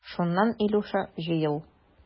Шуннан, Илюша, җыел.